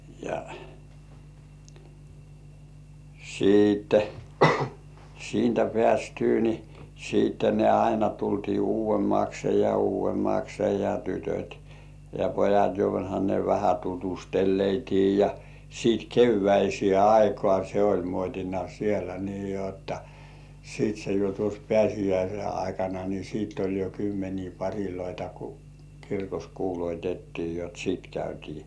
ja siitä siitä päästyä niin sitten ne aina tultiin uudemmaksi ja uudemmaksi ja tytöt ja pojat johan ne vähän tutustui ja sitten keväiseen aikaan se oli muotina siellä niin jotta sitten se jo tuossa pääsiäisen aikana niin sitten oli jo kymmeniä pareja kun kirkossa kuulutettiin jotta sitten käytiin